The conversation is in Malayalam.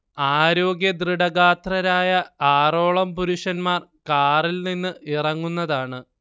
ആരോഗ്യദൃഡഗാത്രരായ ആറോളം പുരുഷന്മാർ കാറിൽ നിന്ന് ഇറങ്ങുന്നതാണ്